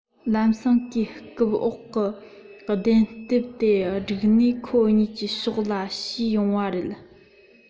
ལམ སེང ཁོའི རྐུབ འོག གི གདན ལྷེབ དེ སྒྲུག ནས ཁོ གཉིས ཕྱོགས ལ ཞུས ཡོང བ རེད